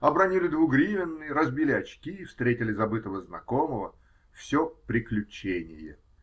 обронили двугривенный, разбили очки, встретили забытого знакомого -- все "приключение".